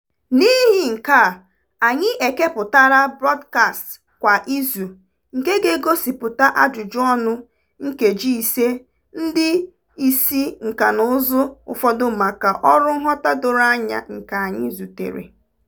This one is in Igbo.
N'ihi nke a, anyị ekepụtala pọdkastị kwa izu nke ga-egosịpụta ajụjụọnụ nkeji ise ndị isi nkànaụzụ ụfọdụ maka ọrụ nghọta doro anya nke anyị zutere.